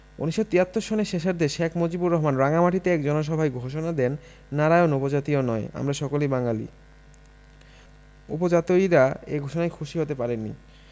১৯৭৩ সনের শেষার্ধে শেখ মুজিবুর রহমান রাঙামাটিতে এক জনসভায় ঘোষণা দেন নারায়ণ উপজাতীয় নয় আমরা সকলেই বাঙালি উপজাতয়িরা এ ঘোষণায় খুশী হতে পারেনি